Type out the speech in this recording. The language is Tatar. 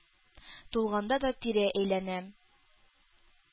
Тулганда да тирә-әйләнәм.